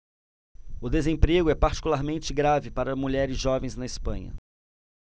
o desemprego é particularmente grave para mulheres jovens na espanha